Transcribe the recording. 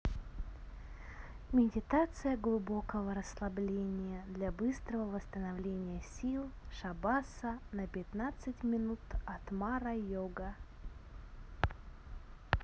медитация глубокого расслабления для быстрого восстановления сил шабаса на пятнадцать минут от мара йога